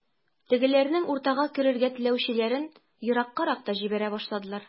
Тегеләрнең уртага керергә теләүчеләрен ераккарак та җибәрә башладылар.